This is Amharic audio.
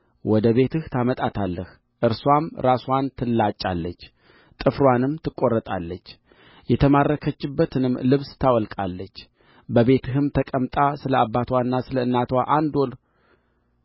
ወደ ቤትህ ታመጣታለህ እርስዋም ራስዋን ትላጫለች ጥፍርዋንም ትቈረጣለች የተማረከችበትንም ልብስ ታወልቃለች በቤትህም ተቀምጣ ስለ አባትዋና ስለ እናትዋ አንድ